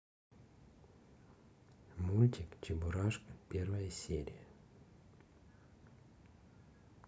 мультик чебурашка первая серия